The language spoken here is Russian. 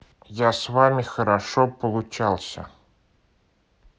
я с вами хорошо получался